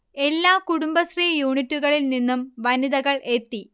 എല്ലാ കുടുംബശ്രീ യൂണിറ്റുകളിൽ നിന്നും വനിതകൾ എത്തി